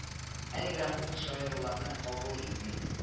Әлегрәк ул шаяруларны кабул итми